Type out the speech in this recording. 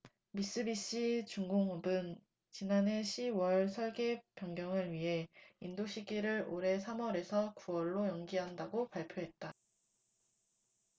미쓰비시 중공업은 지난해 시 월 설계 변경을 위해 인도시기를 올해 삼 월에서 구 월로 연기한다고 발표했다